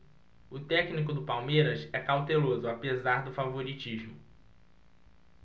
o técnico do palmeiras é cauteloso apesar do favoritismo